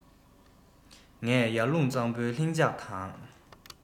ངས ཡར ཀླུང གཙང པོའི ལྷིང འཇགས དང